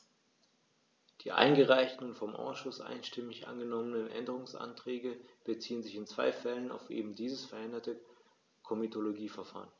Die eingereichten und vom Ausschuss einstimmig angenommenen Änderungsanträge beziehen sich in zwei Fällen auf eben dieses veränderte Komitologieverfahren.